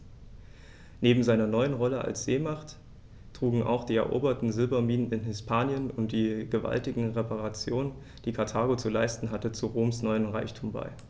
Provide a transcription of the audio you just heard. Neben seiner neuen Rolle als Seemacht trugen auch die eroberten Silberminen in Hispanien und die gewaltigen Reparationen, die Karthago zu leisten hatte, zu Roms neuem Reichtum bei.